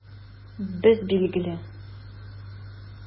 Без, билгеле!